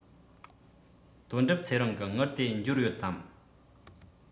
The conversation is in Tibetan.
དོན གྲུབ ཚེ རིང གི དངུལ དེ འབྱོར ཡོད དམ